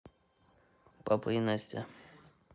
папа и настя